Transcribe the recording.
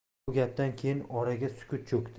bu gapdan keyin oraga sukut cho'kdi